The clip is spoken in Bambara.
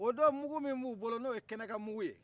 o don mungu min b'u bolo n'o ye kɛnɛkan mungu ye